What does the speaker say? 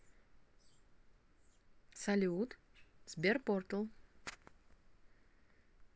салют sberportal